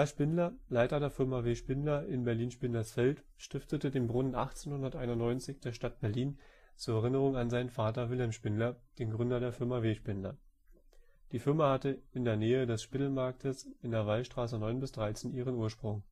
Spindler, Leiter der Firma W. Spindler in Berlin-Spindlersfeld, stiftete den Brunnen 1891 der Stadt Berlin zur Erinnerung an seinen Vater Wilhelm Spindler, den Gründer der Firma W. Spindler. Die Firma hatte in der Nähe des Spittelmarktes in der Wallstraße 9-13 ihren Ursprung